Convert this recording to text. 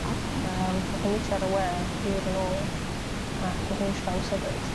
Oce. Yym nath ni mîtio ar a we hir yn ôl. Ac ma' hi'n traws hefyd.